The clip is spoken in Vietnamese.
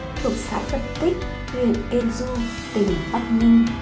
thuộc xã phật tích huyện tiên du tỉnh bắc ninh